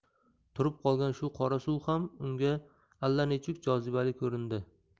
turib qolgan shu qora suv ham unga allanechuk jozibali ko'rindi